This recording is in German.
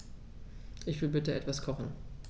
Ich will bitte etwas kochen.